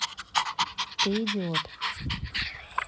ты идиот